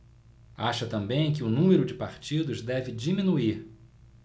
acha também que o número de partidos deve diminuir